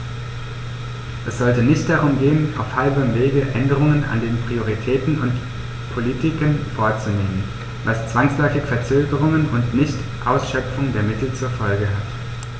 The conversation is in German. Es sollte nicht darum gehen, auf halbem Wege Änderungen an den Prioritäten und Politiken vorzunehmen, was zwangsläufig Verzögerungen und Nichtausschöpfung der Mittel zur Folge hat.